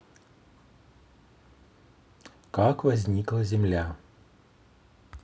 как возникла земля